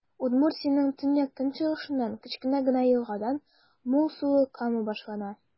Удмуртиянең төньяк-көнчыгышыннан, кечкенә генә елгадан, мул сулы Кама башлана.